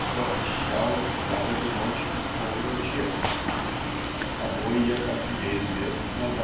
Что обещал, Я, в эту ночь, исполнил честно С тобой я как тебе известно